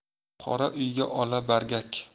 qora uyga ola bargak